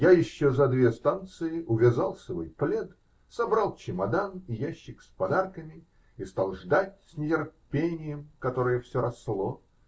Я еще за две станции увязал свой плед, собрал чемодан и ящик с подарками и стал ждать с нетерпением, которое все росло.